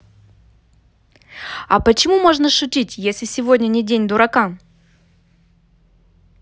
а почему можно шутить если сегодня не день дурака